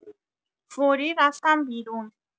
فوری رفتم بیرون